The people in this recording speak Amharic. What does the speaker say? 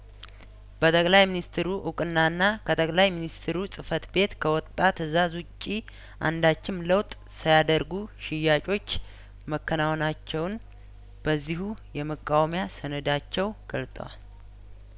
በጠቅላይ ሚንስትሩ እውቅናና ከጠቅላይ ሚንስትሩ ጽፈት ቤት ከወጣ ትእዛዝ ውጪ አንዳችም ለውጥ ሳያደርጉ ሽያጮች መከናወናቸውን በዚሁ የመቃወሚያሰነ ዳቸው ገልጠዋል